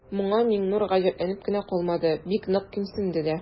Моңа Миңнур гаҗәпләнеп кенә калмады, бик нык кимсенде дә.